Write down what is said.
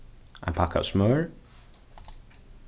ein pakka av smør